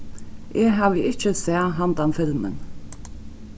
eg havi ikki sæð handan filmin